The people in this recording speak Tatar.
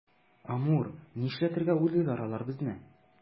Амур, нишләтергә уйлыйлар алар безне?